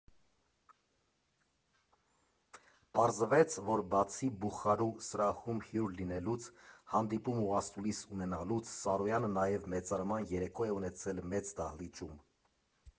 Պարզվեց, որ բացի Բուխարու սրահում հյուր լինելուց, հանդիպում ու ասուլիս ունենալուց, Սարոյանը նաև մեծարման երեկո է ունեցել մեծ դահլիճում։